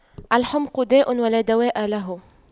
الحُمْقُ داء ولا دواء له